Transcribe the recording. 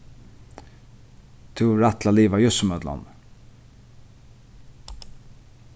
tú hevur rætt til at liva júst sum øll onnur